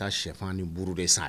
Ka shɛfan ni buru de sa ye